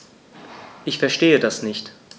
Ich verstehe das nicht.